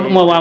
voilà